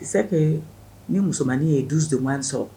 Se ni musomanmaninin ye du deugan sɔrɔ